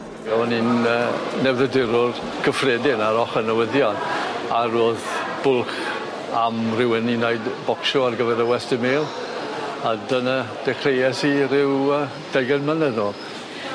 Ro'n i'n yy newydd'durwr cyffredin ar ochor newyddion a ro'dd bwlch am rywun i neud bocsio ar gyfer y Western Mail a dyna dechreues i ryw yy deugen mlynedd nôl.